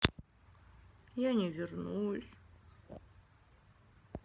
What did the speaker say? я не вернусь